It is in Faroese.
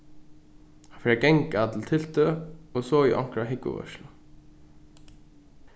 hann fer at ganga til tiltøk og so í onkra húgvuveitslu